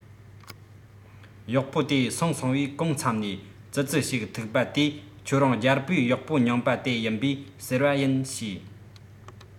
གཡོག པོ དེ སོང སོང བས གང མཚམས ནས ཙི ཙི ཞིག ཐུག པ དེས ཁྱོད རང རྒྱལ པོའི གཡོག པོ རྙིང པ དེ ཡིན པས ཟེར བ ཡིན བྱས